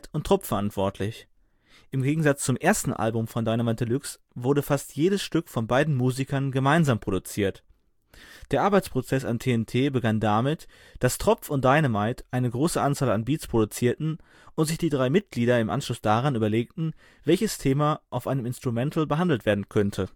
und Tropf verantwortlich. Im Gegensatz zum ersten Album von Dynamite Deluxe, wurde fast jedes Stück von beiden Musikern gemeinsam produziert. Der Arbeitsprozess an TNT begann damit, dass Tropf und Dynamite eine große Anzahl an Beats produzierten und sich die drei Mitglieder im Anschluss daran überlegten, welches Thema auf einem Instrumental behandelt werden könnte